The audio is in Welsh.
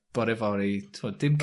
bore fory. T'mod dim